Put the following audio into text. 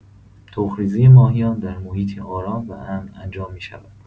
تخم‌ریزی ماهیان در محیطی آرام و امن انجام می‌شود.